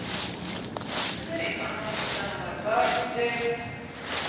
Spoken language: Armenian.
Կներեք անհամեստության համար, բայց դե…